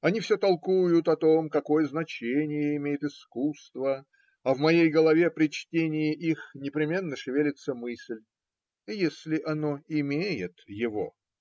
Они все толкуют о том, какое значение имеет искусство, а в моей голове при чтении их непременно шевелится мысль если оно имеет его.